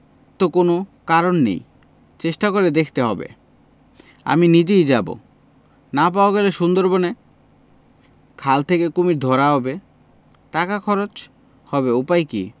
তো কোন কারণ নেই চেষ্টা করে দেখতে হবে আমি নিজেই যাব না পাওয়া গেলে সুন্দরবনের খাল থেকে কুমীর ধরা হবে টাকা খরচ হবে উপায় কি